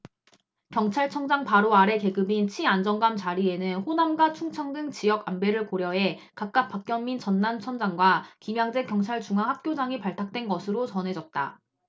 경찰청장 바로 아래 계급인 치안정감 자리에는 호남과 충청 등 지역 안배를 고려해 각각 박경민 전남청장과 김양제 경찰중앙학교장이 발탁된 것으로 전해졌다